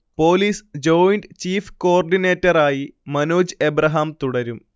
police joint chief coordinator ആയി മനോജ് ഏബ്രഹാം തുടരും